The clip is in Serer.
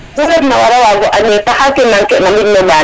oxu refna wara wago ande taxar ke manquer na moƴno ɓaat